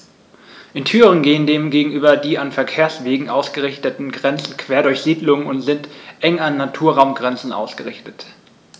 In Thüringen gehen dem gegenüber die an Verkehrswegen ausgerichteten Grenzen quer durch Siedlungen und sind eng an Naturraumgrenzen ausgerichtet.